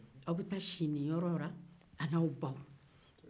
a' bɛɛ si ɲininyɔrɔ la an'aw baw